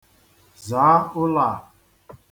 Zaa ụlọ a.